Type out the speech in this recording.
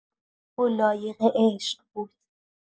او لایق عشق بود.